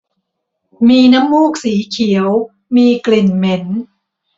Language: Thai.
มีน้ำมูกสีเขียวมีกลิ่นเหม็น